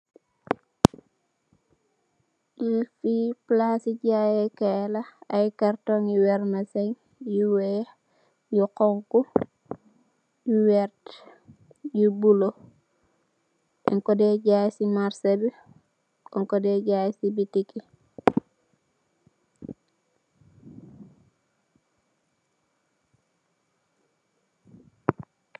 Li palasi jayeh kai la I carton ngi vermicell yu weih yu hunhu yu werteh yu blue nyunko deh jai sey maseh bi nyunko deh jai sey bitic bi .